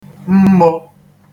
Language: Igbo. mmō